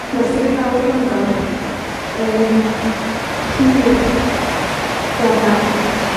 Ma' stryd fawr Bangor, yn, hir iawn, iawn.